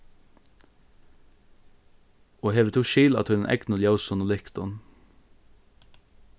og hevur tú skil á tínum egnu ljósum og lyktum